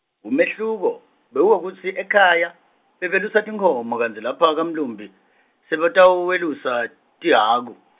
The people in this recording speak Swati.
umehluko, bewuwekutsi ekhaya, bebelusa tinkhomo, kantsi lapha kamlumbi, sebatawelusa, tihhaku.